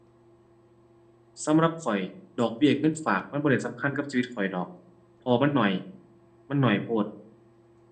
สำหรับข้อย ดอกเบี้ยเงินฝากมันบ่ได้สำคัญกับชีวิตข้อยดอก เพราะว่ามันน้อย มันน้อยโพด